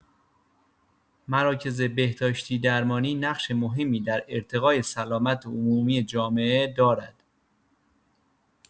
مراکز بهداشتی‌درمانی نقش مهمی در ارتقای سلامت عمومی جامعه دارد.